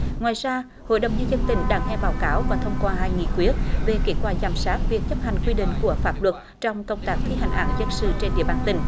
ngoài ra hội đồng nhân dân tỉnh đã nghe báo cáo và thông qua hai nghị quyết về kết quả giám sát việc chấp hành quy định của pháp luật trong công tác thi hành án dân sự trên địa bàn tỉnh